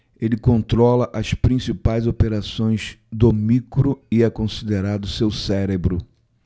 ele controla as principais operações do micro e é considerado seu cérebro